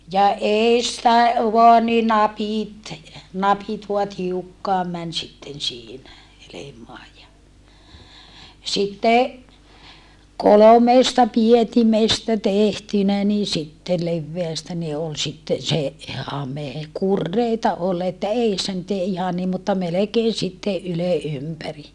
ja edestä vain niin napit napit vain tiukkaan meni sitten siinä helmaan ja sitten kolmesta pietimestä tehtynä niin sitten leveästä niin oli sitten se hame kureita oli että edessä nyt ei ihan niin mutta melkein sitten ylen ympäri